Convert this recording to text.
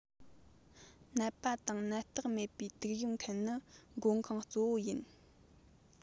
ནད པ དང ནད རྟགས མེད པའི དུག ཡོད མཁན ནི འགོ ཁུངས གཙོ བོ ཡིན